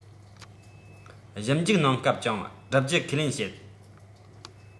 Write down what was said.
ཞིབ འཇུག གནང སྐབས ཀྱང བསྒྲུབ རྒྱུ ཁས ལེན བྱེད